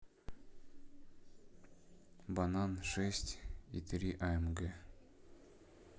банан шесть и три амг